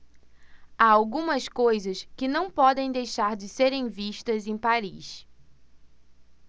há algumas coisas que não podem deixar de serem vistas em paris